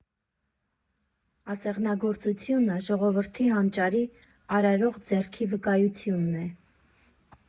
Ասեղնագործությունը ժողովրդի հանճարի, արարող ձեռքի վկայությունն է։